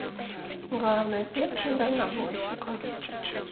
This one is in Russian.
главная песня дальнобойщиков